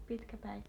pitkä päivä